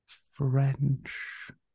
French?